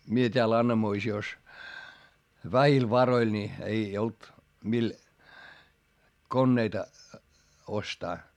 minä täällä Annamoisiossa vähillä varoilla niin ei ollut millä koneita ostaa